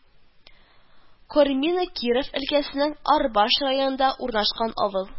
Кормино Киров өлкәсенең Арбаж районында урнашкан авыл